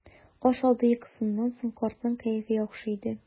Аш алды йокысыннан соң картның кәефе яхшы иде.